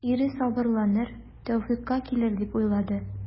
Ире сабырланыр, тәүфыйкка килер дип уйлады.